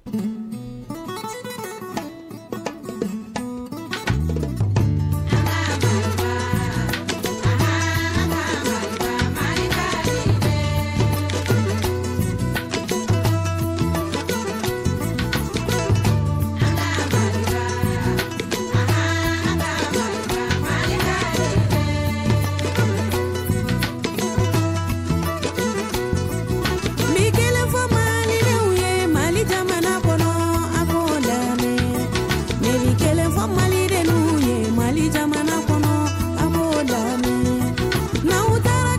Kari kelen ye mali ja kɔnɔ kelen mɔ le ye ma ja kɔnɔ